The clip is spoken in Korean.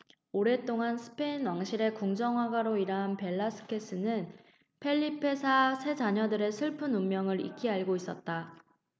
오랫동안 스페인 왕실의 궁정화가로 일한 벨라스케스는 펠리페 사 세 자녀들의 슬픈 운명을 익히 알고 있었다